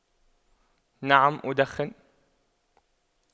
نعم أدخن